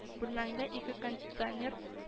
—бүлмәңдә ике кондиционер